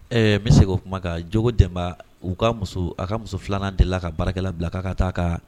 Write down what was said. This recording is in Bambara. Ɛɛ n be segin o kuma kan Jogo Demba u ka muso a ka muso 2 nan delila ka baarakɛla bila k'a ka taa kaa